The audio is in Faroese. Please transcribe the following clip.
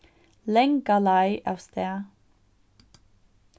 langa leið avstað